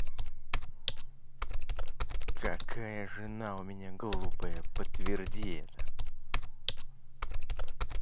какая жена у меня глупая подтверди это